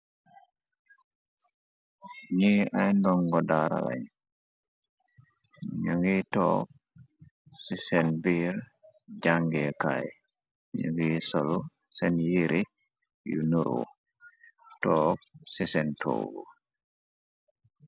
Niy ay ndongo daara lañ , ñu ngiy toog ci seen biir jàngee kaay, ñu ngiy solu seen yire yu nuru toog ci seen towwu.